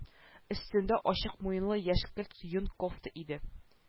Өстендә ачык муенлы яшькелт йон кофта иде